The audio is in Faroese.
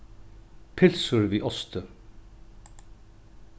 pylsur við osti